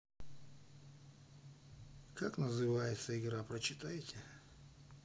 как называется игра прочитайте